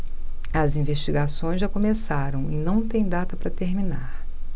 as investigações já começaram e não têm data para terminar